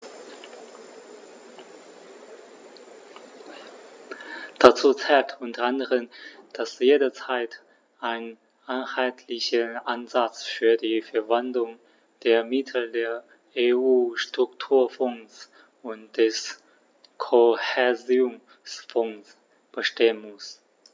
Dazu zählt u. a., dass jederzeit ein einheitlicher Ansatz für die Verwendung der Mittel der EU-Strukturfonds und des Kohäsionsfonds bestehen muss.